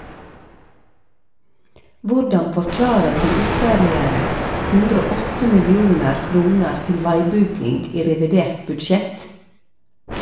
- Hvordan forklarer du ytterligere 108 millioner kroner til veibygging i revidert budsjett?